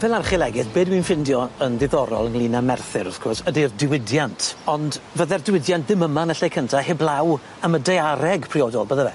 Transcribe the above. Fel archeolegydd be' dwi'n ffindio yn diddorol ynglŷn â Merthyr wrth gwrs ydi'r diwydiant ond fydde'r diwydiant ddim yma yn y lle cynta heblaw am y daeareg priodol bydde fe?